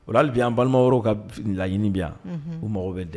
O halibi an balima ka laɲini yan u mago bɛ dɛ